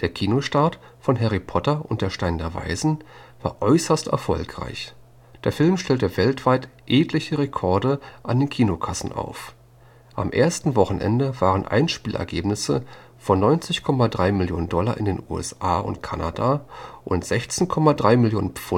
Kinostart von Harry Potter und der Stein der Weisen war äußerst erfolgreich. Der Film stellte weltweit etliche Rekorde an den Kinokassen auf. Am ersten Wochenende waren Einspielergebnisse von 90,3 Mio. $ in den USA und Kanada, und 16,3 Mio.